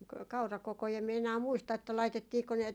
- kaurakokoja en minä enää muista että laitettiinko ne